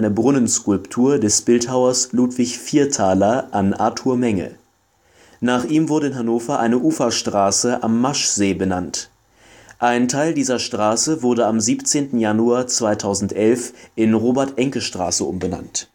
Brunnenskulptur des Bildhauers Ludwig Vierthaler an Arthur Menge. Nach ihm wurde in Hannover eine Uferstraße am Maschsee benannt. Ein Teil dieser Straße wurde am 17. Januar 2011 in Robert-Enke-Straße umbenannt